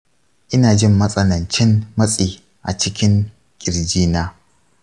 ina jin matsanancin matsi a cikin ƙirjina.